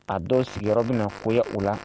A dɔw sigiyɔrɔ bɛ na foyi o la